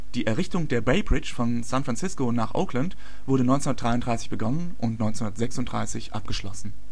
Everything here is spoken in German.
Die Errichtung der „ Bay Bridge “von San Francisco nach Oakland wurde 1933 begonnen und 1936 abgeschlossen